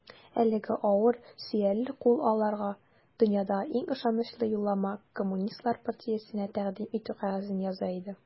Әлеге авыр, сөялле кул аларга дөньядагы иң ышанычлы юллама - Коммунистлар партиясенә тәкъдим итү кәгазен яза иде.